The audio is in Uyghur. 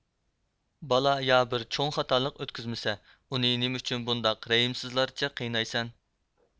بالا يا بىر چوڭ خاتالىق ئۆتكۈزمىسە ئۇنى نېمە ئۈچۈن بۇنداق رەھىمسىزلارچە قىينامسەن